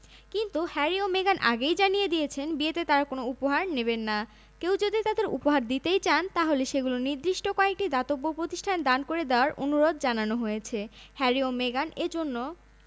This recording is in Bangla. রাজপরিবারের বিয়ের অনুষ্ঠানে বাড়তি নিরাপত্তা থাকবে এটাই তো স্বাভাবিক প্রিন্স হ্যারি ও মেগান মার্কেলের বিয়ের পুরো নিরাপত্তা নিয়ন্ত্রণ করবে টেমস ভ্যালি পুলিশ তাঁদের সহযোগিতা করবে লন্ডনের মেট্রোপলিটন পুলিশ ও ব্রিটিশ ট্রান্সপোর্ট পুলিশ